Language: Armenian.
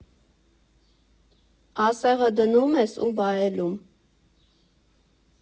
Ասեղը դնում ես ու վայելում։